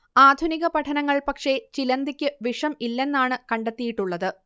ആധുനിക പഠനങ്ങൾ പക്ഷേ ചിലന്തിക്ക് വിഷം ഇല്ലെന്നാണ് കണ്ടെത്തിയിട്ടുള്ളത്